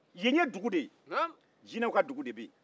yen ye dugu de ye jinɛw ka dugu de bɛ yen